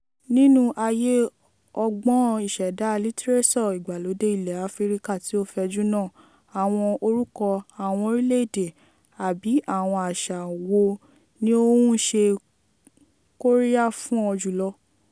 Nínú àyè ọgbọ́n ìṣẹ̀dá litiréṣọ̀ ìgbàlódé ilẹ̀ Áfíríkà tí ó fẹjú náà, àwọn orúkọ, àwọn orílẹ̀-èdè, àbí àwọn àṣà wo ni ó ń ṣe kóríyá fún ọ jùlọ?